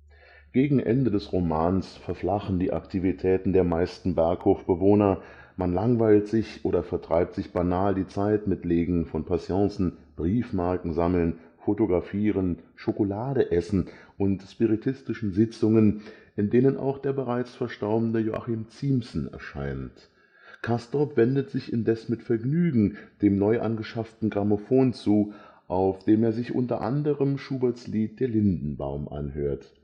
Gegen Ende des Romans verflachen die Aktivitäten der meisten Berghofbewohner, man langweilt sich oder vertreibt sich banal die Zeit mit Legen von Patiencen, Briefmarkensammeln, Fotografieren, Schokoladeessen und spiritistischen Sitzungen, in denen auch der bereits verstorbene Joachim Ziemßen erscheint. Castorp wendet sich indes mit Vergnügen dem neu angeschafften Grammophon zu, auf dem er sich u.a. Schuberts Lied Der Lindenbaum anhört